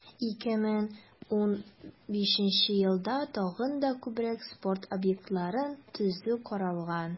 2015 елда тагын да күбрәк спорт объектларын төзү каралган.